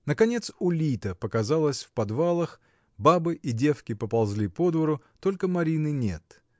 Наконец Улита показалась в подвалах, бабы и девки поползли по двору, только Марины нет.